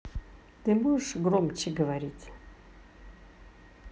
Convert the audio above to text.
ты можешь громче говорить